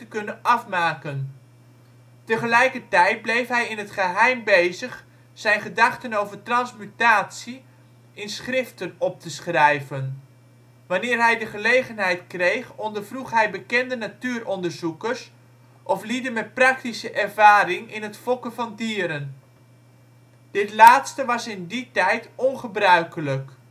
kunnen afmaken. Tegelijkertijd bleef hij in het geheim bezig zijn gedachten over transmutatie in schriften op te schrijven. Wanneer hij de gelegenheid kreeg ondervroeg hij bekende natuuronderzoekers of lieden met praktische ervaring in het fokken van dieren. Dit laatste was in die tijd ongebruikelijk